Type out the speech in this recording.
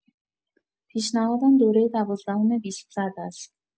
پیشنهادم دوره دوازدهم بیستصد هست.